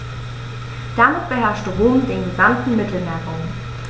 Damit beherrschte Rom den gesamten Mittelmeerraum.